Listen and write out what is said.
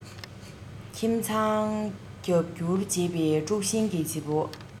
ཁྱིམ ཚང རྒྱབ བསྐྱུར བྱེད པའི དཀྲུག ཤིང གི བྱེད པོ